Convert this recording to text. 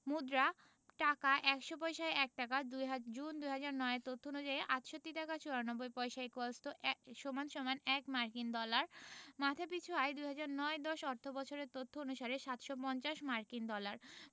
মুদ্রাঃ টাকা ১০০ পয়সায় ১ টাকা দুইহা জুন ২০০৯ এর তথ্য অনুযায়ী ৬৮ টাকা ৯৪ পয়সা ইকুয়ালসটু এ = ১ মার্কিন ডলার মাথাপিছু আয়ঃ ২০০৯ ১০ অর্থবছরের তথ্য অনুসারে ৭৫০ মার্কিন ডলার